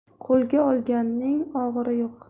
qo'lga olganning og'iri yo'q